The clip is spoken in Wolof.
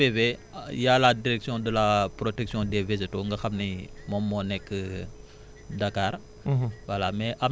voilà parce DPV y a la direction de protection des végétaux nga xam ne moom moo nekk Dakar